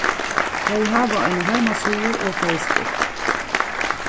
tey hava eina heimasíðu og facebook